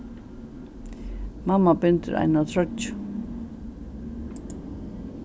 mamma bindur eina troyggju